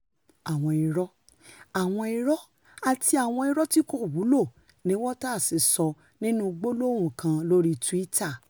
Àwọn irọ́, àwọn irọ́, àti àwọn irọ́ tíkòwúlò,'' ni Walters sọ nínú gbólóhùn kan lórí Twitter.